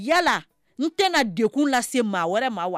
Yala n tɛna dekun lase maa wɛrɛ ma